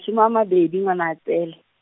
some a mabedi Ngwanatsele.